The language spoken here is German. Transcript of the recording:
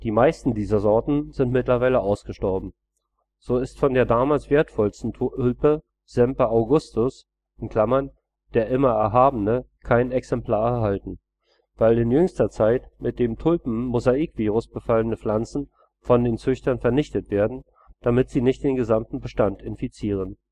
meisten dieser Sorten sind mittlerweile ausgestorben. So ist von der damals wertvollsten Tulpe, ' Semper Augustus '(‚ der immer Erhabene ‘), kein Exemplar erhalten, weil in jüngerer Zeit mit dem Tulpenmosaikvirus befallene Pflanzen von den Züchtern vernichtet werden, damit sie nicht den gesamten Bestand infizieren